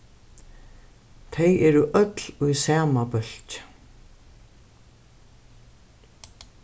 tey eru øll í sama bólki